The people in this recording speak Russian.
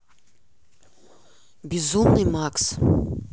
безумный макс